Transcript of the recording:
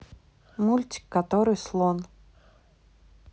мультик который слон